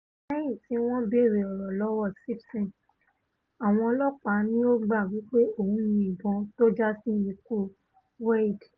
Lẹ́yìn tí wọ́n bèèrè ọ̀rọ̀ lọ́wọ́ Simpson, àwọn ọlọ́ọ̀pá ní ó gbà wí pé òun yin ìbọn tó jásí ikú Wayde.